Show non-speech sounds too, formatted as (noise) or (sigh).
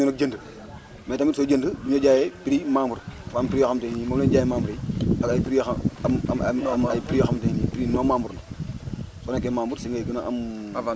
mën nga ñëw nag jënd mais tamit sooy jënd du ñu la jaayee prix membre dafa am prix yoo xamante ni moom la ñuy jaayee membres yi (noise) ak ay prix yoo xam am am am prix yoo xamante ni prix non membre la (noise) soo nekkee membre si ngay gën a am (hesitation)